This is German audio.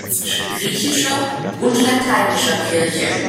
griechischer und lateinischer Kirche